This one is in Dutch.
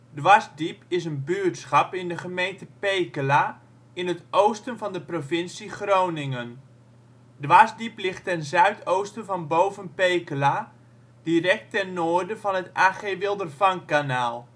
Dwarsdiep is een buurtschap in de gemeente Pekela in het oosten van de provincie Groningen. Dwarsdiep ligt ten zuidoosten van Boven Pekela, direct ten noorden van het A.G. Wildervanckkanaal